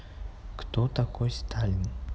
кто такой сталин